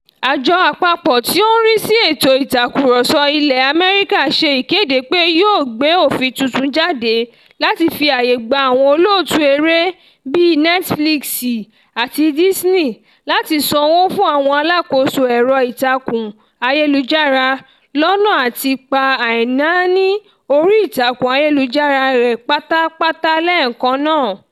Àjọ àpapọ̀ tí ó ń rí sí ètò ìtakùrọsọ ilẹ̀ Amẹ́ríkà ṣe ìkéde pé yóò gbé òfin tuntun jáde láti fi ààyè gbà àwọn olóòtú eré, bíi Netflix àti Disney, láti San owó fún àwọn alákòóso ẹ̀rọ ìtàkùn ayélujára, lọ́nà àti pa àìnáání orí ìtàkùn ayélujára rẹ́ pátá pátá lẹ́ẹ̀kan náà.